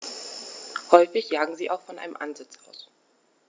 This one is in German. Häufig jagen sie auch von einem Ansitz aus.